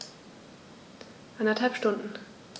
Eineinhalb Stunden